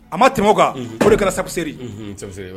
A ma tɛmɛ kan p de kɛra sabuseri sɛsiriri